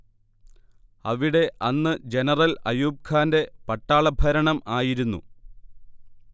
അവിടെ അന്ന് ജനറൽ അയൂബ്ഖാന്റെ പട്ടാളഭരണം ആയിരുന്നു